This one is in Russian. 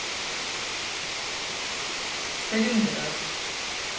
сталинград